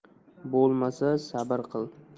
bo'lmasa sabr qil